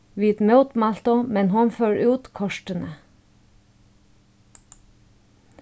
vit mótmæltu men hon fór út kortini